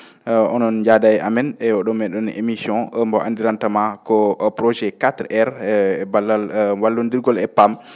onon njaada e amen e o?oo mee?en émission mbo anndirantamaa ko oo projet 4R e ballal wallonndirgol e PAM